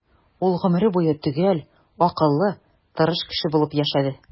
Ул гомере буе төгәл, акыллы, тырыш кеше булып яшәде.